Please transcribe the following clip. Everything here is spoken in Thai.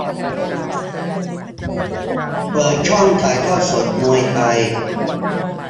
เปิดช่องถ่ายทอดสดมวยไทย